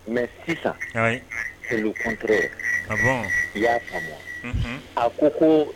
Mɛ sisanlukunoro i y'a faamu a ko ko